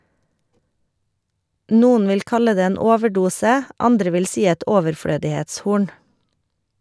Noen vil kalle det en overdose, andre vil si et overflødighetshorn.